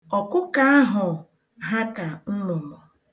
Ọkụkọ ahụ ha ka nnụnụ.